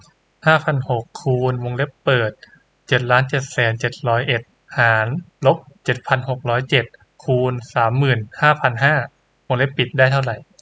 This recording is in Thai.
ห้าพันหกคูณวงเล็บเปิดเจ็ดล้านเจ็ดแสนเจ็ดร้อยเอ็ดหารลบเจ็ดพันหกร้อยเจ็ดคูณสามหมื่นห้าพันห้าวงเล็บปิดได้เท่าไร